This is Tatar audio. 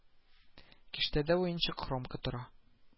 Киштәдә уенчык хромка тора